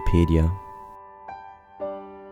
Sie hören